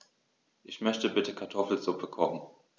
Ich möchte bitte Kartoffelsuppe kochen.